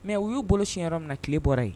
Mais u y'u bolo sin yɔrɔ min na tile bɔra yen